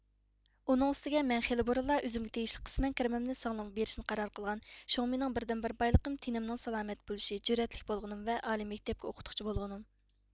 ئۇنىڭ ئۈستىگە مەن خېلى بۇرۇنلا ئۆزۈمگە تېگىشلىك قىسمەن كىرىمىمنى سىڭلىمغا بېرىشنى قارار قىلغان شۇڭا مېنىڭ بىردىنبىر بايلىقىم تېنىمنىڭ سالامەت بولۇشى جۈرئەتلىك بولغىنىم ۋە ئالىي مەكتەپكە ئوقۇتقۇچى بولغىنىم